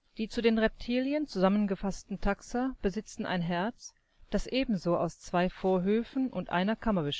Die zu den Reptilien zusammengefassten Taxa besitzen ein Herz, das ebenso aus zwei Vorhöfen und einer Kammer